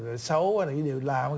là xấu hay là những điều làm